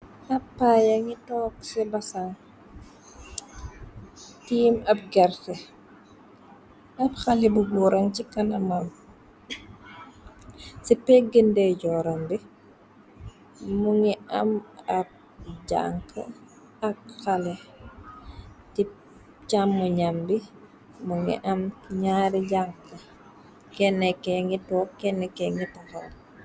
Ab papa yangi toog ci basan tiim ab garteh ab xaleh bu góoran ci kana mam ci peggi ndey joorambi mu ngi am ab jank ak xale ti càmm ñam bi mu ngi am ñaari jank kennike ngi took kennike ngi taxaw.